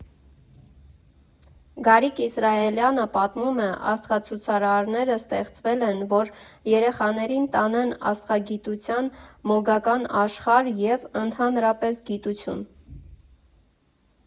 Գարիկ Իսրայելյանը պատմում է՝ աստղացուցարանները ստեղծվել են, որ երեխաներին տանեն աստղագիտության մոգական աշխարհ և, ընդհանրապես, գիտություն։